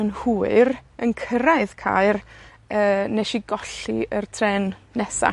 yn hwyr yn cyrraedd Caer yy nesh i golli yr trên nesa.